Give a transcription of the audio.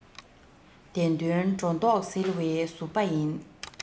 བདེན དོན སྒྲོ འདོག སེལ བའི གཟུ པ ཡིན